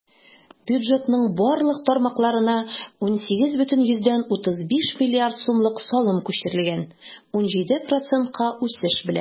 Бюджетның барлык тармакларына 18,35 млрд сумлык салым күчерелгән - 17 процентка үсеш белән.